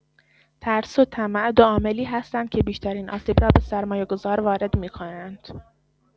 ترس و طمع دو عاملی هستند که بیشترین آسیب را به سرمایه‌گذار وارد می‌کنند.